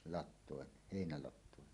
latoon heinälatoon